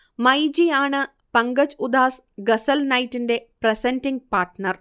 മൈജി ആണ് പങ്കജ് ഉധാസ് ഗസൽ നൈറ്റിന്റെ presenting partner